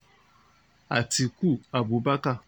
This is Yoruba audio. Atiku Abubakar